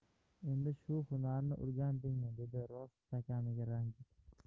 endi shu hunarni o'rgandingmi dedi rostakamiga ranjib